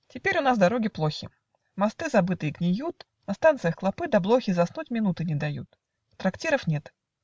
Теперь у нас дороги плохи , Мосты забытые гниют, На станциях клопы да блохи Заснуть минуты не дают Трактиров нет.